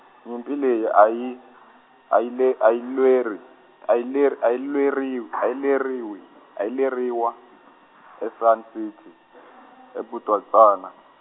nyimpi leyi a yi , a yi le, a yi lweri-, a yi ler-, a yi lweriw-, a yi lerwi-, a yi leriwa , e- Sun City e -phutatswana.